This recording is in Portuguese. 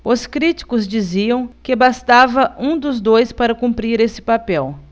os críticos diziam que bastava um dos dois para cumprir esse papel